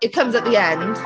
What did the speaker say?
It comes at the end.